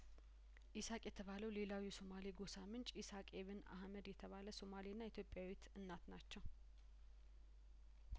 ኢሳቅ የተባለው ሌላው የሶማሌ ጐሳምንጭ ኢሳቅ ኢብን አህመድ የተባለ ሶማሌና ኢትዮጵያዊት እናት ናቸው